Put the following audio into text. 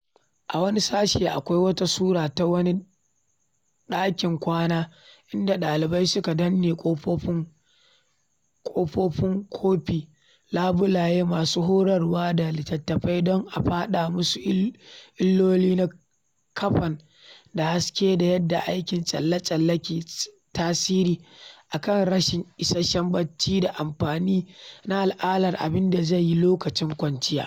A wani sashe akwai wata sura ta wani ɗakin kwana, inda ɗalibai suka danne kofunan kofi, labulaye, masu horarwa da litattafai don a fada musu illoli na kafen da haske da yadda aikin tsale-tsalle ke tasiri a kan rashin isasshen barci, da amfani na al’adar abin da za a yi lokacin kwanciya.